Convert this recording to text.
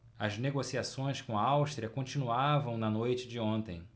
as negociações com a áustria continuavam na noite de ontem